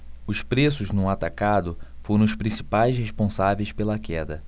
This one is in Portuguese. os preços no atacado foram os principais responsáveis pela queda